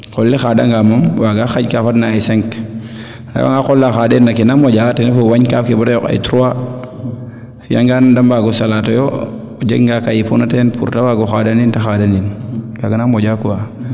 qol le xaanda nga moom waaga xaƴ kaa fadna ay cinq a refa nga qol la xandeer na kee na moƴa ten ref wañ kaaf ke bata yoq ay trois a fiya ngaan de mbaago salate oyo o jega nga kaa yippona teen pour te wago xandanin kaaga na moƴa quoi